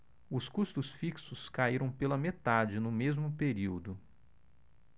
os custos fixos caíram pela metade no mesmo período